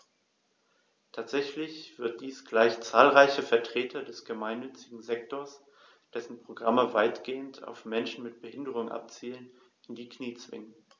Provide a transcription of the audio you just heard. Tatsächlich wird dies gleich zahlreiche Vertreter des gemeinnützigen Sektors - dessen Programme weitgehend auf Menschen mit Behinderung abzielen - in die Knie zwingen.